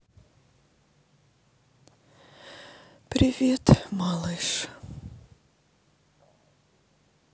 привет малыш